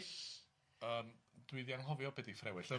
Yym dwi 'di anghofio be 'di ffrewyll.